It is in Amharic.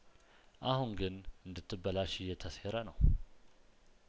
አሁን ግን እንድት በላሽ እየተሴረ ነው